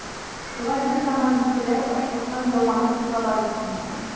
Шулай берзаман бүреләр ачлыктан ялманып утыралар икән.